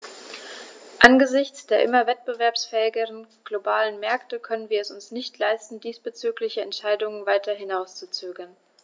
Angesichts der immer wettbewerbsfähigeren globalen Märkte können wir es uns nicht leisten, diesbezügliche Entscheidungen weiter hinauszuzögern.